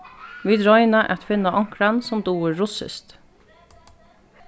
vit royna at finna onkran sum dugir russiskt